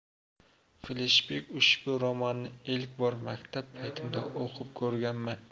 fleshbek ushbu romanni ilk bor maktab paytimda o'qib ko'rganman